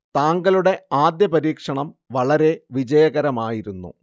താങ്കളുടെ ആദ്യ പരീക്ഷണം വളരെ വിജയകരമായിരുന്നു